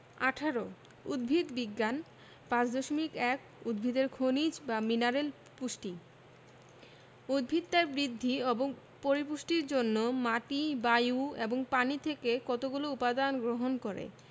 ১৮ উদ্ভিদ বিজ্ঞান 5.1 উদ্ভিদের খনিজ বা মিনারেল পুষ্টি উদ্ভিদ তার বৃদ্ধি ও পরিপুষ্টির জন্য মাটি বায়ু এবং পানি থেকে কতগুলো উপদান গ্রহণ করে